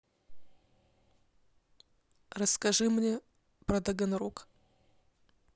расскажи мне про таганрог